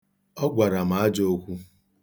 Ọ gwara m ajọ okwu.